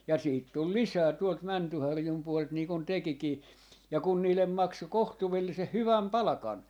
ja sitten tuli lisää tuolta Mäntyharjun puolelta niin kuin tekikin ja kun niille maksoi kohtuullisen hyvän palkan